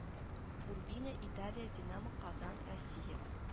Урбино италия динамо казан россия